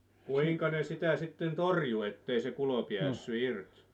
kuinka ne sitä sitten torjui että ei se kulo päässyt irti